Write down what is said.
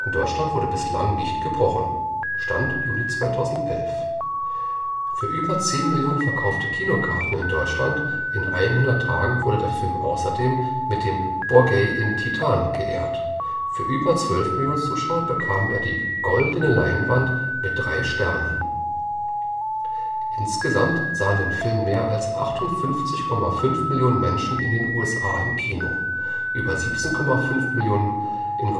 Deutschland wurde bislang nicht gebrochen (Stand: Juni 2011). Für über 10 Millionen verkaufte Kinokarten in Deutschland in 100 Tagen wurde der Film außerdem mit dem Bogey in Titan geehrt, für über 12 Millionen Zuschauer bekam er die Goldene Leinwand mit drei Sternen. Insgesamt sahen den Film mehr als 58,5 Millionen Menschen in den USA im Kino, über 17,5 Millionen in